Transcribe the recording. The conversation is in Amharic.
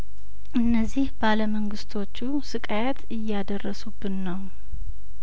እነዚህ ባለመንግስቶቹ ስቃየት እያደረሱብን ነው